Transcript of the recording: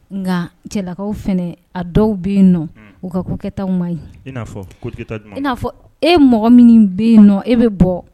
Nga cɛlakaw fɛnɛ a dɔw be yen nɔ , u ka ko kɛtaw man ɲi . I na fɔ e mɔgɔ min be yen nɔ e bɛ bɔ.